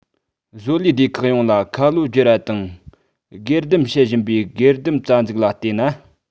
བཟོ ལས སྡེ ཁག ཡོངས ལ ཁ ལོ སྒྱུར བ དང སྒེར སྡེམ བྱེད བཞིན པའི སྒེར སྡེམ རྩ འཛུགས ལ བལྟས ན